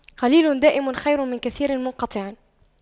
قليل دائم خير من كثير منقطع